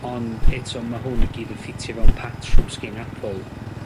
Ond eto ma' hwn i gyd yn ffitio i fewn patrwm sgin Apple.